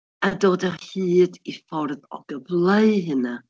A dod o hyd i ffordd o gyfleu hynna.